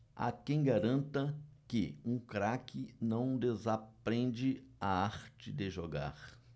há quem garanta que um craque não desaprende a arte de jogar